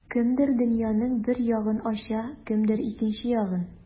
Кемдер дөньяның бер ягын ача, кемдер икенче ягын.